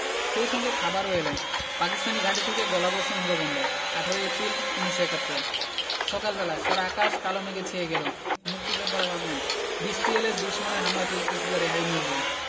সেই সঙ্গে খাবারও এলো পাকিস্তানি ঘাঁটি থেকে গোলাবর্ষণও হলো বন্ধ ১৮ এপ্রিল ১৯৭১ সকাল বেলা সারা আকাশ কালো মেঘে ছেয়ে গেল মুক্তিযোদ্ধারা ভাবলেন বৃষ্টি এলে দুশমনের হামলা থেকে কিছুটা রেহাই মিলবে